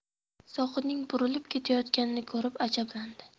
zohidning burilib ketayotganini ko'rib ajablandi